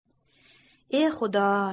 e xudo